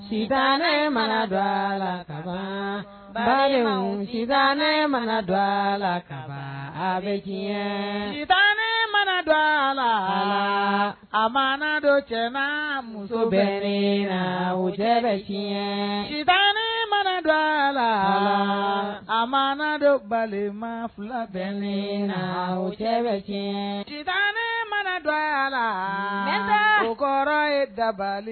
Tan ne mana dɔ la ba ne mana dɔ la bɛ tan ne mana dɔ a la a ma dɔ jama muso bɛ la o cɛ bɛ tan mana dɔ la a ma dɔbali ma fila bɛ la o cɛ bɛ jɛ tan mana dɔ a la ne kɔrɔ ye dabali